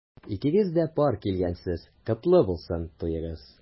Икегез дә пар килгәнсез— котлы булсын туегыз!